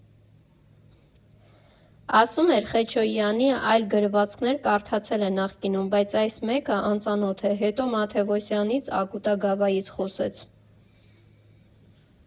Ասում էր՝ Խեչոյանի այլ գրվածքներ կարդացել է նախկինում, բայց այս մեկը անծանոթ է, հետո Մաթևոսյանից, Ակուտագավայից խոսեց։